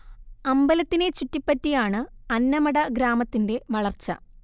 അമ്പലത്തിനെ ചുറ്റിപ്പറ്റിയാണു അന്നമട ഗ്രാമത്തിന്റെ വളർച്ച